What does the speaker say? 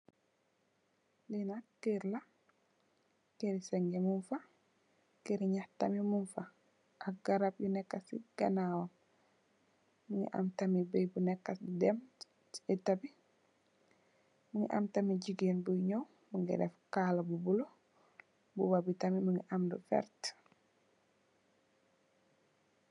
Lii nak kër la, kër seenga mung fa, kër ñax tam mung fa, ak garab yu neekë si ganaawam. Mu ngi am tam bey bu nekkë di dem si etta bi, mu ngi am tamit jigéen buy ñaw, mu def kaala bu bulo, mbuba bi tam mu ngi am lu werta.